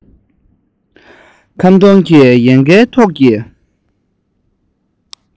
ཁམ སྡོང གི ཡལ གའི ཐོག གི